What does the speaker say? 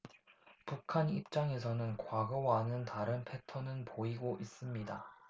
북한 입장에서는 과거와는 다른 패턴은 보이고 있습니다